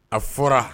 A fɔra